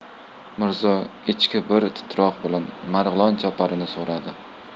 mirzo ichki bir titroq bilan marg'ilon choparini so'radi